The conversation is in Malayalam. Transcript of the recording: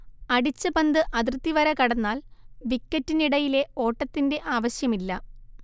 അടിച്ച പന്ത് അതിർത്തിവര കടന്നാൽ വിക്കറ്റിനിടയിലെ ഓട്ടത്തിന്റെ ആവശ്യമില്ല